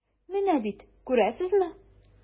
Менә бит, күрәсезме.